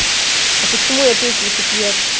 а почему я петельки пьер